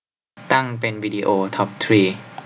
ตั้งเป็นวิดีโอทอปทรี